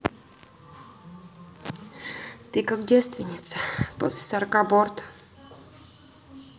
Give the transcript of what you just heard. ты как девственница после сорока борт